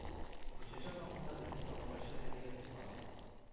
Гөлчәчәк хакында безнең тамашачы әлегә бик аз